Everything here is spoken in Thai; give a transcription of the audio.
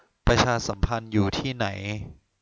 ประชาสัมพันธ์อยู่ที่ไหน